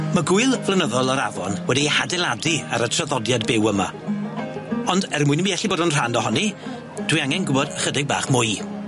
Ma' gwyl flynyddol yr afon wedi'i hadeiladu ar y traddodiad byw yma, ond er mwyn i mi ellu bod yn rhan ohoni dwi angen gwbod chydig bach mwy.